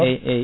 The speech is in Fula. eyyi eyyi